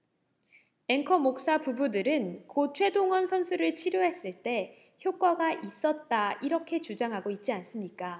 앵커 목사 부부들은 고 최동원 선수를 치료했을 때 효과가 있었다 이렇게 주장하고 있지 않습니까